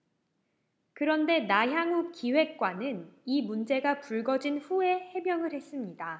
그런데 나향욱 기획관은 이 문제가 불거진 후에 해명을 했습니다